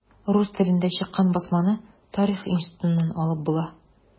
Рус телендә чыккан басманы Тарих институтыннан алып була.